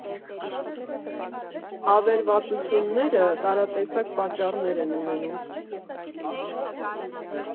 Ավերածությունները տարատեսակ պատճառներ են ունենում։